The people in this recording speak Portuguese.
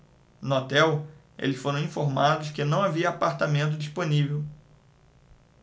no hotel eles foram informados que não havia apartamento disponível